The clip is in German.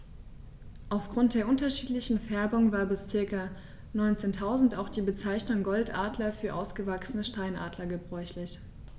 Auf Grund der unterschiedlichen Färbung war bis ca. 1900 auch die Bezeichnung Goldadler für ausgewachsene Steinadler gebräuchlich.